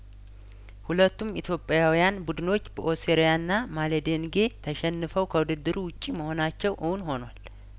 ሁለቱም ኢትዮጵያዊያን ቡድኖች በኦሴሪያና ማሊዴንጌ ተሸንፈው ከውድድሩ ውጪ መሆናቸው እውንሆኗል